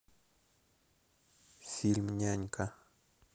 фильм нянька